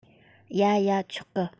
ཡ ཡ ཆོག གི